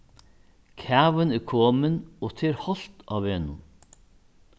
kavin er komin og tað er hált á vegnum